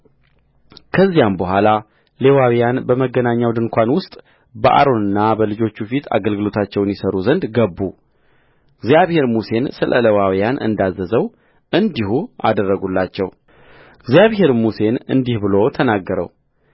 ከዚያም በኋላ ሌዋውያን በመገናኛው ድንኳን ውስጥ በአሮንና በልጆቹ ፊት አገልግሎታቸውን ይሠሩ ዘንድ ገቡ እግዚአብሔር ሙሴን ስለ ሌዋውያን እንዳዘዘው እንዲሁ አደረጉላቸውእግዚአብሔርም ሙሴን እንዲህ ብሎ ተናገረው